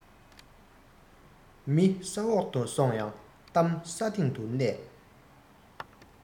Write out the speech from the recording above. མི ས འོག དུ སོང ཡང གཏམ ས སྟེང དུ གནས